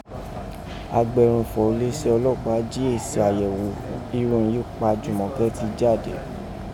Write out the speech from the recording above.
Àgbẹ̀runfọ̀ uleeṣẹ ọlọpaa jí esi àyẹ̀ghò irun yìí pa Jumoke ti jade.